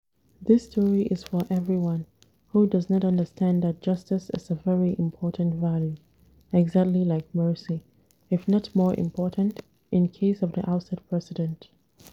This story is for everyone who does not understand that justice is a very important value, exactly like mercy – if not more important, in case of the ousted president.